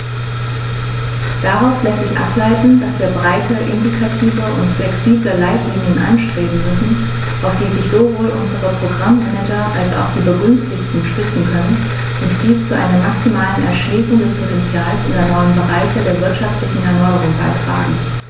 Daraus lässt sich ableiten, dass wir breite, indikative und flexible Leitlinien anstreben müssen, auf die sich sowohl unsere Programm-Manager als auch die Begünstigten stützen können und die zu einer maximalen Erschließung des Potentials der neuen Bereiche der wirtschaftlichen Erneuerung beitragen.